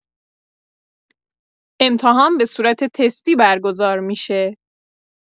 امتحان به صورت تستی برگزار می‌شه